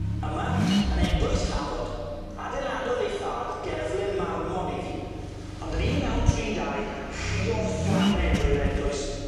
Yma, yn eglwys Hafod, adeiladodd ei thad gerflun marmor iddi, ond yn un naw tri dau rhuodd fflame drwy'r eglwys.